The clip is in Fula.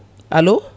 allo